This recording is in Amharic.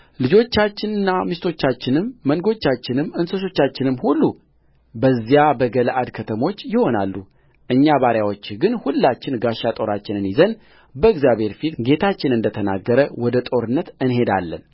ልጆቻችን ሚስቶቻችንም መንጎቻችንም እንስሶቻችንም ሁሉ በዚያ በገለዓድ ከተሞች ይሆናሉእኛ ባሪያዎችህ ግን ሁላችን ጋሻ ጦራችንን ይዘን በእግዚአብሔር ፊት ጌታችን እንደ ተናገረ ወደ ጦርነት እንሄዳለን